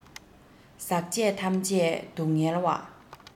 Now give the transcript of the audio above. ཟག བཅས ཐམས ཅད སྡུག བསྔལ བ